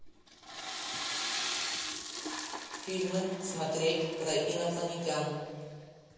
фильмы смотреть про инопланетян